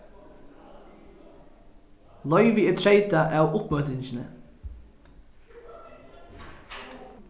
loyvið er treytað av uppmøtingini